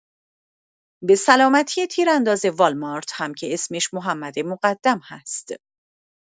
به سلامتی تیرانداز والمارت هم که اسمش محمد مقدم هست!